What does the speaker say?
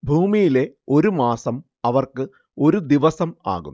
ഭൂമിയിലെ ഒരു മാസം അവർക്ക് ഒരു ദിവസം ആകുന്നു